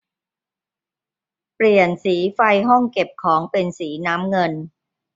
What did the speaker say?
เปลี่ยนสีไฟในห้องเก็บของเป็นสีน้ำเงิน